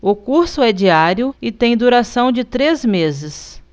o curso é diário e tem duração de três meses